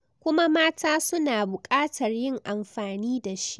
Kuma Mata Su na Buƙatar Yin Amfani Da Shi.